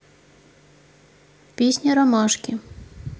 песня ромашки